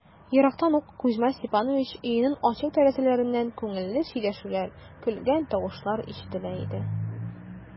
Ерактан ук Кузьма Степанович өенең ачык тәрәзәләреннән күңелле сөйләшүләр, көлгән тавышлар ишетелә иде.